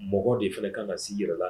Mɔgɔ de fana ka kan ka s'i yɛrɛ la